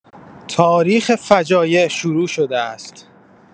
تاریخ فجایع شروع شده است.